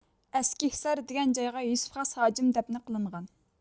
ئەسكىھسار دېگەن جايغا يۈسۈپ خاس ھاجىم دەپنە قىلىنغان